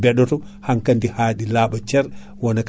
eyyi rafiji kewɗi kaadi guila e ko wiyate waato en